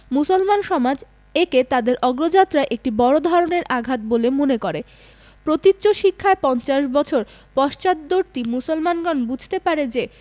মুসলমান সমাজ একে তাদের অগ্রযাত্রায় একটি বড় ধরনের আঘাত বলে মনে করে প্রতীচ্য শিক্ষায় পঞ্চাশ বছর পশ্চাদ্বর্তী মুসলমানগণ বুঝতে পারে যে